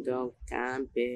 Donc kan bɛn.